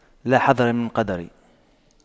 لا حذر من قدر